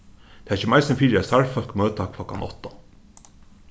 tað kemur eisini fyri at starvsfólk møta klokkan átta